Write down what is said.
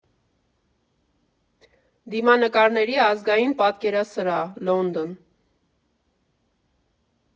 Դիմանկարների ազգային պատկերասրահ, Լոնդոն։